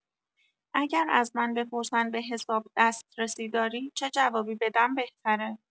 اگر از من بپرسن به‌حساب دسترسی داری چه جوابی بدم بهتره؟